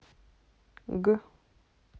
г